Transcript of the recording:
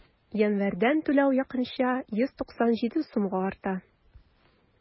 Январьдан түләү якынча 197 сумга арта.